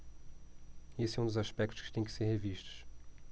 esse é um dos aspectos que têm que ser revistos